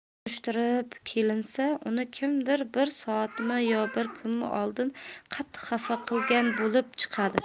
surishtirib kelinsa uni kimdir bir soatmi yo bir kunmi oldin qattiq xafa qilgan bo'lib chiqadi